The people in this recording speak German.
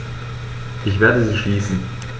Ich werde sie schließen.